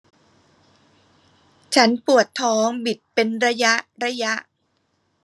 ฉันปวดท้องบิดเป็นระยะระยะ